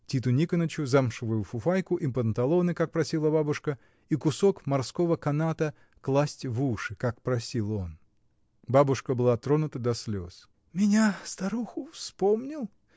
Титу Никонычу замшевую фуфайку и панталоны, как просила бабушка, и кусок морского каната класть в уши, как просил он. Бабушка была тронута до слез. — Меня, старуху, вспомнил!